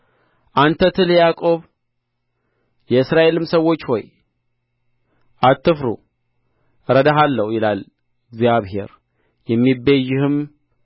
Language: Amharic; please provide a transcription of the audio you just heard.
አንተ ትል ያዕቆብ የእስራኤልም ሰዎች ሆይ አትፍሩ እረዳሃለሁ ይላል እግዚአብሔር የሚቤዥህም